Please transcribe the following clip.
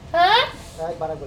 H a bolo